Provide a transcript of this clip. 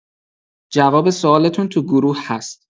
جواب سوالتون تو گروه هست.